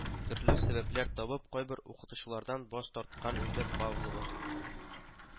Төрле сәбәпләр табып кайбер укытучылардан баш тарткан инде Павлова